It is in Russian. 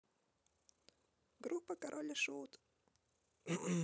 группа король и шут